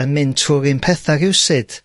yn mynd trw'r un petha rywsud